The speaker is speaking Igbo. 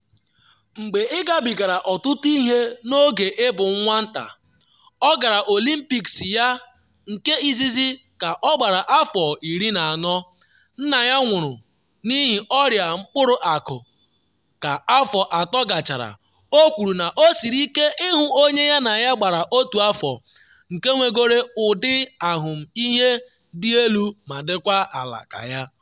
“Mgbe ịgabigara ọtụtụ ihe n’oge ịbụ nwata” - ọ gara Olympics ya nke izizi ka ọgbara afọ 14, nna ya nwụrụ n’ihi ọrịa mkpụrụ akụ ka afọ atọ gachara - o kwuru na o siri ike ịhụ onye ya na ya gbara otu afọ nke nwegoro ụdị ahụmihe dị elu ma dịkwa ala ka ya.